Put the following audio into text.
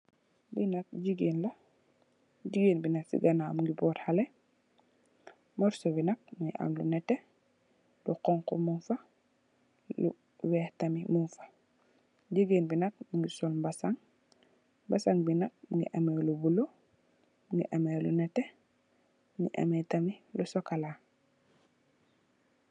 Lee nak jegain la jegain be se ganaw muge bott haleh mursu be nak muge am lu neteh lu xonxo mugfa lu weex tamin mugfa jegain be nak muge sol mazing mazing be nak muge ameh lu bulo muge ameh lu neteh muge ameh tamin lu sokula.